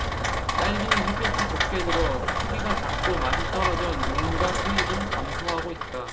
딸기는 햇볕이 적게 들어 크기가 작고 맛이 떨어져 농가 수입은 감소하고 있다